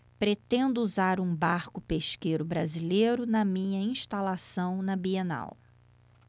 pretendo usar um barco pesqueiro brasileiro na minha instalação na bienal